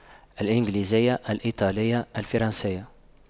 الإنجليزية الإيطالية الفرنسية